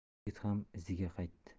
yigit ham iziga qaytdi